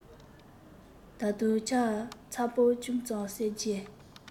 ད དུང ཇ ཚ པོ ཅུང ཙམ བསྲེས རྗེས